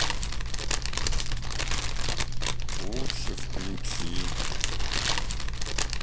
лучше включи